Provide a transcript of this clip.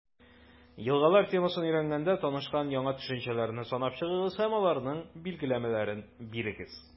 «елгалар» темасын өйрәнгәндә танышкан яңа төшенчәләрне санап чыгыгыз һәм аларның билгеләмәләрен бирегез.